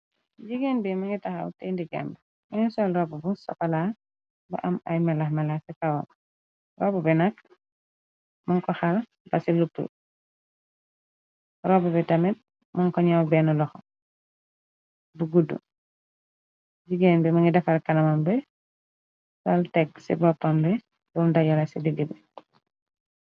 Jigéen bi mëngi taxaw te ndijambi, mungi sol robbu bu sokolaa, bu am ay melax melax si kawam, robbu bi nakk mën ko xal ba ci luppu bi, robbu bi tamit mën ko ñew benn loxo, bu guddu, jigéen bi mëngi defar kanamom bi, sol tegg ci boppam bum dajala ci digg bi.